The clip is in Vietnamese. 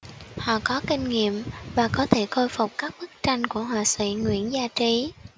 họ có kinh nghiệm và có thể khôi phục các bức tranh của họa sĩ nguyễn gia trí